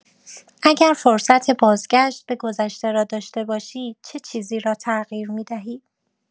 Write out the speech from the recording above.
اگر فرصت بازگشت به گذشته را داشته باشی چه چیزی را تغییر می‌دهی؟